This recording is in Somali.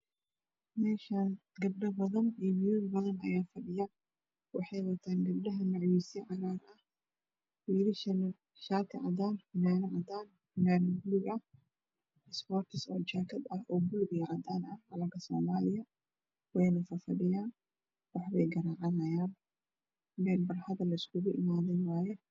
Meeshaan gabdho badan iyo will badan ayaa fadhiya waxeey wataan gabdhaha macwiisiin cagaar ah wiilishanah shaati caddaan fannaanad caddaan fannaanad ballug ah isboortis jaagad ah ballug iyo caddaan callanka soomaalia weyna fafadhiyaan waxba gagaraacanayaan meel barxad isku iimaado waaye